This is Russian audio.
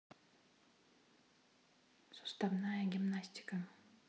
суставная гимнастика